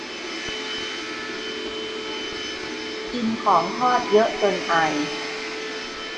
กินของทอดเยอะจนไอ